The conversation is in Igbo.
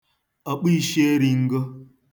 ọ̀kpụīshīerīn̄gō